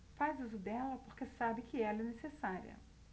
faz uso dela porque sabe que ela é necessária